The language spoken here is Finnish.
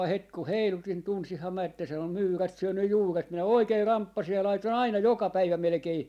heti kun heilutin tunsinhan minä että sen on myyrät syönyt juuret minä oikein ramppasin ja laitoin aina joka päivä melkein